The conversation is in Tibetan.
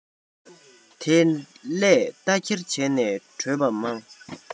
དེ འདྲས རྟ འཁྱེར བྱས ནས བྲོས པ མང